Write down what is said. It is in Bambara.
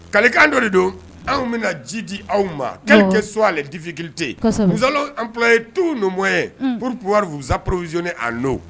Kalilekan dɔ de don anw bɛna ji di anw ma ka kɛ so a difiilite muzali anpye tu numu ye ppwari muzsapurzni a'o